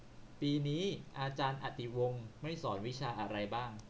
ปีนี้อาารย์อติวงศ์ไม่สอนวิชาอะไรบ้าง